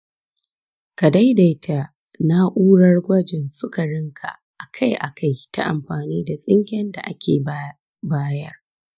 ka daidaita na'urar gwajin sukarinka a kai a kai ta amfani da tsinken da aka bayar.